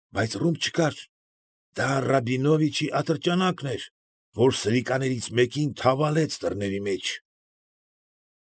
Բայց ոումբ չկար։ Դա Ռաբինովիչի ատրճանակն էր, որ սրիկաներից մեկին թավալեց դռների մեջ։